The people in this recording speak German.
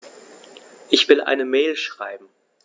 Ich will eine Mail schreiben.